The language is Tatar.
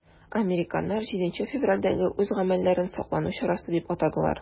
Американнар 7 февральдәге үз гамәлләрен саклану чарасы дип атадылар.